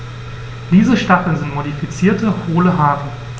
Diese Stacheln sind modifizierte, hohle Haare.